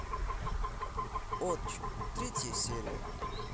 отчим третья серия